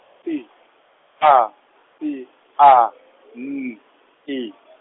P A P A N I.